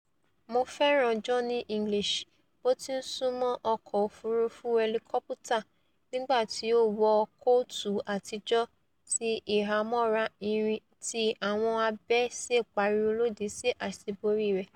Mo fẹ́ràn Johnny English bóti ńsúnmọ́ ọkọ òfurufú hẹlikoputa nígbà tí ó wọ kóòtù àtijọ́ ti ìhámọ́ra irin tí àwọn abẹ sí pariwo lòdì sí àsíborí rẹ̀.